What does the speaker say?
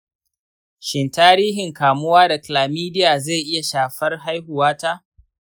shin tarihin kamuwa da chlamydia zai iya shafar haihuwata?